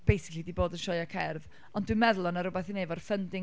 basically 'di bod yn sioeau cerdd. Ond dwi'n meddwl oedd 'na rhywbeth i wneud efo'r funding...